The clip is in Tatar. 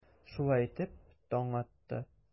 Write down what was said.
Шулай итеп, таң атты.